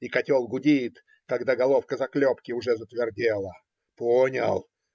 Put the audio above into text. И котел гудит, когда головка заклепки уже затвердела. Понял.